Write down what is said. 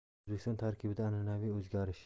o'zbekiston tarkibida an'anaviy o'zgarish